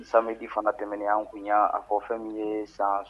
Samedi fana tɛmɛnen an kun yan a fɔ fɛn min ye san